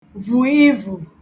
vù ivù